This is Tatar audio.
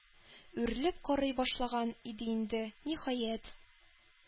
Үрелеп карый башлаган иде инде, ниһаять,